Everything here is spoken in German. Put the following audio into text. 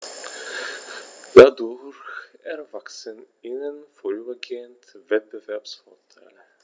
Dadurch erwachsen ihnen vorübergehend Wettbewerbsvorteile.